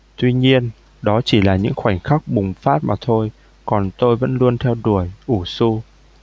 tuy nhiên đó chỉ là những khoảnh khắc bùng phát mà thôi còn tôi vẫn luôn theo đuổi wushu